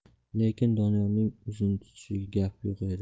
lekin doniyorning o'zini tutishiga gap yo'q edi